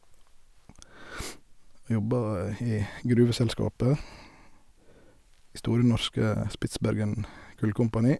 Jobba i gruveselskapet, i Store Norske Spitsbergen Kulkompani.